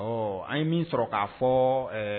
Ɔ an ye min sɔrɔ k'a fɔ